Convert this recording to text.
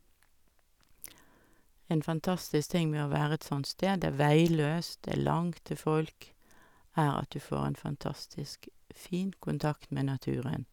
En fantastisk ting med å være et sånt sted, det er veiløst, det er langt til folk, er at du får en fantastisk fin kontakt med naturen.